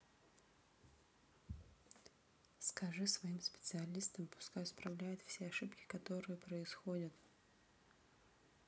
скажи своим специалистом пускай исправляют все ошибки которые происходят